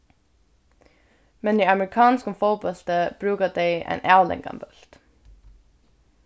men í amerikanskum fótbólti brúka teir ein avlangan bólt